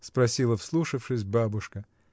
— спросила, вслушавшись, бабушка.